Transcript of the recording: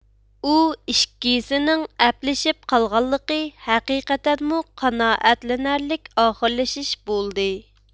ئۇ ئىككىسىنىڭ ئەپلىشىپ قالغانلىقى ھەقىقەتەنمۇ قانائەتلىنەرلىك ئاخىرلىشىش بولدى